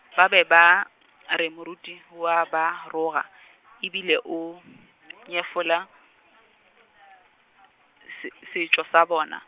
ba be ba, re moruti o a ba roga , e bile o, nyefola, s- setšo sa bona.